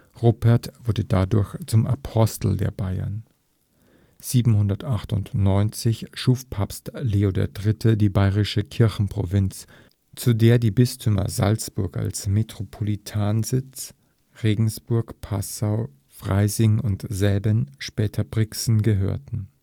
Rupert wurde dadurch zum „ Apostel der Baiern “. 798 schuf Papst Leo III. die bairische Kirchenprovinz, zu der die Bistümer Salzburg als Metropolitansitz, Regensburg, Passau, Freising und Säben (später Brixen) gehörten